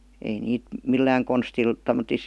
ei niitä millään konstilla tommottoon